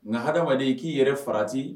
Nga hadamaden i ki yɛrɛ farati